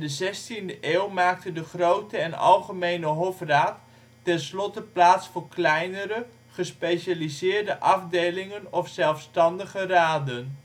zelfstandig hooggerechtshof en in de 16e eeuw maakte de grote en algemene hofraad tenslotte plaats voor kleinere gespecialiseerde afdelingen of zelfstandige raden